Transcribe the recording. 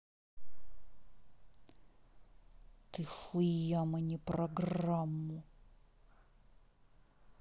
ты хуяма не программу